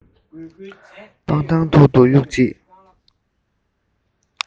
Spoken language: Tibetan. སྤང ཐང ཐོག ཏུ གཡུགས རྗེས